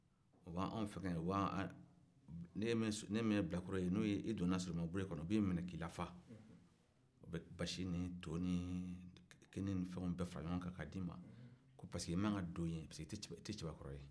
u b'an fɛngɛ e min ye bilakoro ye ni donna solomaw ka bure kɔnɔ u b'i minɛ k'i lafa u be basi ni to ni kini ni fɛnw bɛɛ fara ɲɔgɔn kan k'a di ma pareseke k'i ma kan ka don yen pareseke i tɛ cɛbakɔrɔ ye